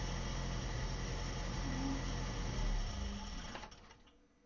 мультики про диких